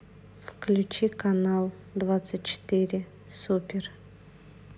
включи канал двадцать четыре супер